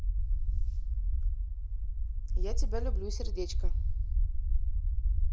я тебя люблю сердечко